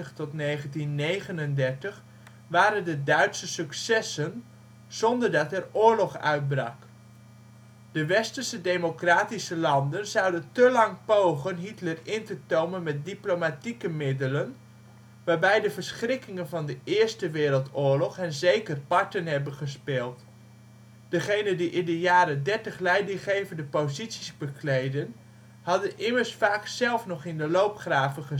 1933 – 1939 waren de Duitse successen zonder dat er oorlog uitbrak. De Westerse democratische landen zouden te lang pogen Hitler in te tomen met diplomatieke middelen waarbij de verschrikkingen van de Eerste Wereldoorlog hen zeker parten hebben gespeeld; degenen die in de jaren dertig leidinggevende posities bekleedden, hadden immers vaak zelf nog in de loopgraven